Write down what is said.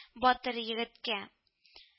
Батыр егеткә